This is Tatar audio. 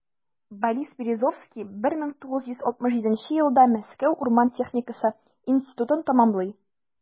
Борис Березовский 1967 елда Мәскәү урман техникасы институтын тәмамлый.